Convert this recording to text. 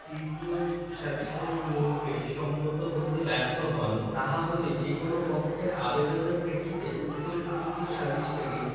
তৃতীয় সালিসকারী নিয়োগে সম্মত হইতে ব্যর্থ হন তাহা হইলে যে কোন পক্ষের আবেদনের প্রেক্ষিতে উক্ত তৃতীয় সালিসকারী